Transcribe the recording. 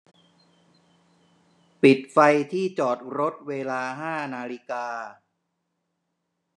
ปิดไฟที่จอดรถเวลาห้านาฬิกา